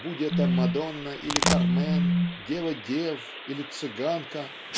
будь это Мадонна или Кармен Дева Дев или цыганка